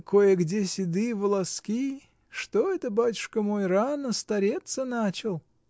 Кое-где седые волоски: что это, батюшка мой, рано стареться начал!